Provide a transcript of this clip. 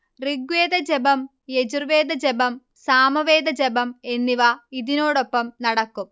ഋഗ്വേദജപം, യജൂർവേദ ജപം, സാമവേദ ജപം എന്നിവ ഇതിനോടൊപ്പം നടക്കും